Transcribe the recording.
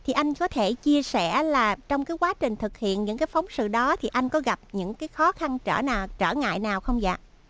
thì anh có thể chia sẻ là trong cái quá trình thực hiện những cái phóng sự đó thì anh có gặp những cái khó khăn trở nào trở ngại nào không dạ